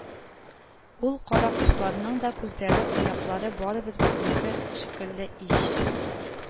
Ул Каракошларның да күзләре, аяклары барыбер безнеке шикелле ич